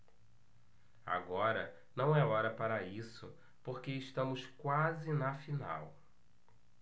agora não é hora para isso porque estamos quase na final